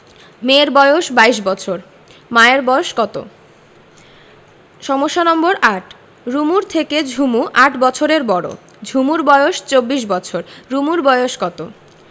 মেয়ের বয়স ২২ বছর মায়ের বয়স কত সমস্যা নম্বর ৮ রুমুর থেকে ঝুমু ৮ বছরের বড় ঝুমুর বয়স ২৪ বছর রুমুর বয়স কত